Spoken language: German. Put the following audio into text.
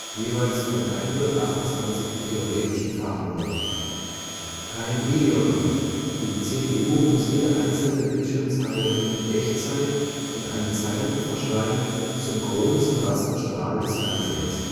jeweils von 128 theoretischen Farbnummern. Kein Video-RAM; die CPU muss jede einzelne Bildschirmzeile in Echtzeit in einen Zeilenpuffer schreiben, synchron zum Rasterstrahl des Fernsehers